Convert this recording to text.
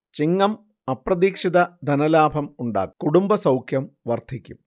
ചിങ്ങം അപ്രതീക്ഷിത ധനലാഭം ഉണ്ടാക്കും കുടുംബസൗഖ്യം വർധിക്കും